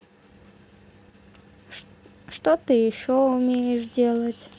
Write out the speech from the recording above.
что ты еще умеешь делать